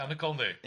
Anhygol, yndi?